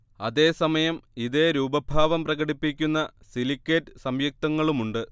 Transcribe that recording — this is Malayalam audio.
അതേ സമയം ഇതേ രൂപഭാവം പ്രകടിപ്പിക്കുന്ന സിലിക്കേറ്റ് സംയുക്തങ്ങളുമുണ്ട്